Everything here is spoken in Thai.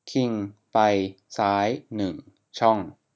คิงไปซ้ายหนึ่งช่อง